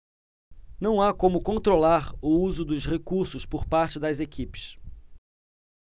não há como controlar o uso dos recursos por parte das equipes